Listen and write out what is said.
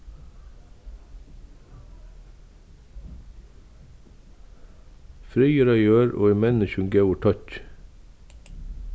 friður á jørð og í menniskjum góður tokki